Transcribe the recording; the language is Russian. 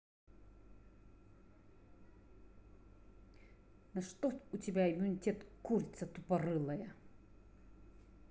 на что у тебя иммунитет курица тупорылая